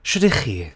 Shwt 'y chi.